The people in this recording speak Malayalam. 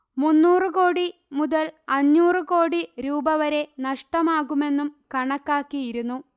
മൂന്നൂറ് കോടി മുതൽ അഞ്ഞൂറ് കോടി രൂപ വരെ നഷ്ടമാകുമെന്നും കണക്കാക്കിയിരുന്നു